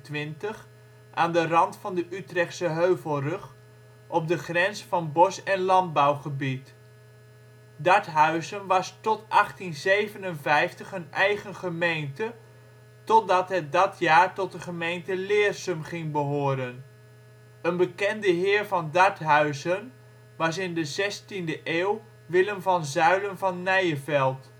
N225, aan de rand van de Utrechtse Heuvelrug, op de grens van bos en landbouwgebied. Darthuizen was tot 1857 een eigen gemeente, tot dat het dat jaar tot de gemeente Leersum ging behoren. Een bekende heer van Darthuizen was in de 16e eeuw Willem van Zuylen van Nijevelt